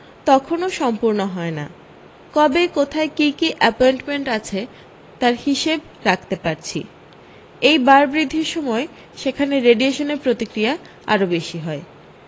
তখনও সম্পূর্ণ হয় না কবে কোথায় কী কী এপয়েণ্টমেণ্ট আছে তার হিসেব রাখতে পারছি এই বাড়বৃদ্ধির সময় সেখানে রেডিয়েশনের প্রতিক্রিয়া আরও বেশী হয়